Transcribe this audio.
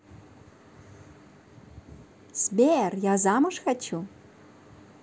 сбер я замуж хочу